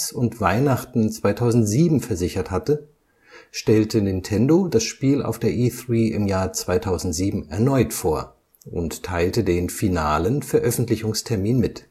und Weihnachten 2007 versichert hatte, stellte Nintendo das Spiel auf der E³ 2007 erneut vor und teilte den finalen Veröffentlichungstermin mit